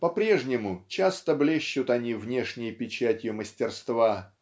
По прежнему часто блещут они внешней печатью мастерства